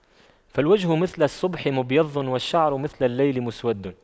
فالوجه مثل الصبح مبيض والشعر مثل الليل مسود